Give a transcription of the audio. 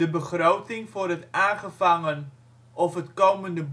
begroting voor het aangevangen of het komende